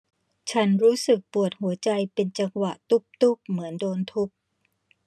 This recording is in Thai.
ฉันรู้สึกปวดหัวใจเป็นจังหวะตุ้บตุ้บเหมือนโดนทุบ